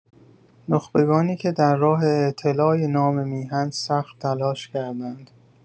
نخبگانی که در راه اعتلای نام میهن سخت تلاش کردند.